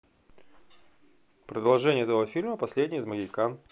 продолжение этого фильма последний из магикян